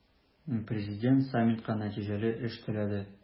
Президент саммитка нәтиҗәле эш теләде.